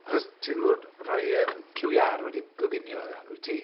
Achos ti ddim fod roi yym cyw iâr wedi goginio wyt ti?